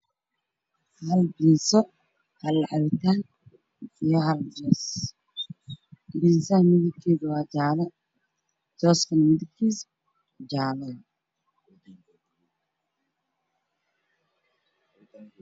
Hal biidso hal cabitaan iyo hal jiis, biidsaha midabkiisu waa jaale, jooskuna waa jaale.